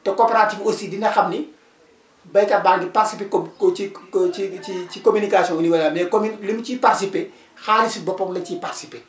te coopérative bi aussi dina xam ni béykat baa ngi participer comme ko ci ci ci ci communication au niveau de la mais commu li mu ciy participé xaalisu boppam lañ ciy participer